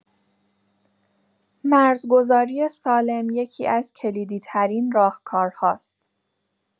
مرزگذاری سالم یکی‌از کلیدی‌ترین راهکارهاست.